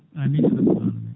amine ya rabbal alamina